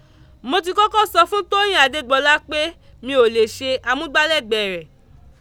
Mo ti kọ́kọ́ sọ fún Tóyìn Adégbọlá pé mi ò lè ṣe amúgbálẹ́gbẹ rẹ̀.